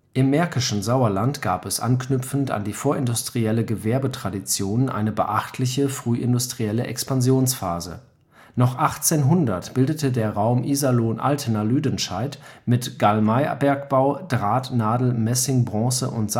Im märkischen Sauerland gab es anknüpfend an die vorindustriellen Gewerbetraditionen eine beachtliche frühindustrielle Expansionsphase. Noch 1800 bildete der Raum Iserlohn-Altena-Lüdenscheid mit Galmeibergbau, Draht -, Nadel -, Messing -, Bronze - und